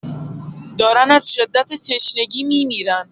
دارن از شدت تشنگی میمیرن